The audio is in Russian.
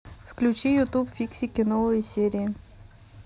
включи ютуб фиксики новые серии